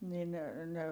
niin ne